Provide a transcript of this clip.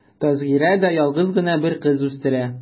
Тәзкирә дә ялгызы гына бер кыз үстерә.